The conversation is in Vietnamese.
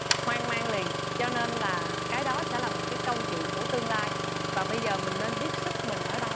hoang mang liền cho nên là cái đó sẽ là một cái câu chuyện của tương lai và bây giờ mình nên biết sức mình ở đâu